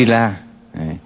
đa